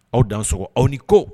Aw dansɔgɔ aw ni ko